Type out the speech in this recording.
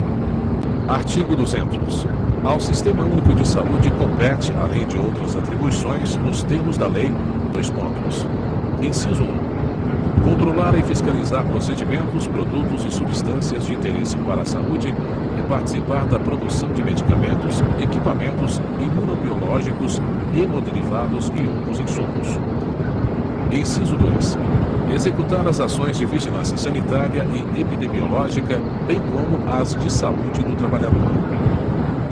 artigo duzentos ao sistema único de saúde compete além de outras atribuições nos termos da lei dois pontos inciso um controlar e fiscalizar procedimentos produtos e substâncias de interesse para a saúde e participar da produção de medicamentos equipamentos imunobiológicos hemoderivados e outros insumos inciso dois executar as ações de vigilância sanitária e epidemiológica bem como as de saúde do trabalhador